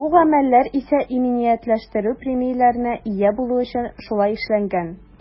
Бу гамәлләр исә иминиятләштерү премияләренә ия булу өчен шулай эшләнгән.